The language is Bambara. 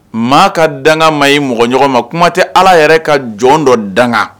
Maa ka danga man ɲi i mɔgɔ ɲɔgɔn ma kuma tɛ Ala yɛrɛ ka jɔn dɔ danga